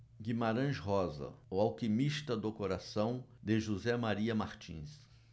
guimarães rosa o alquimista do coração de josé maria martins